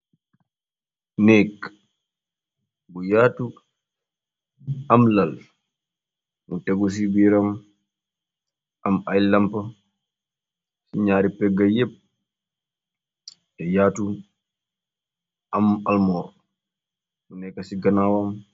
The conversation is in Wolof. Nékk bu yaatu am lal mu tegu ci biiram, am ay lampa ci ñaari pegga yéppe , yaatu am almoor bu nekka ci ganawam.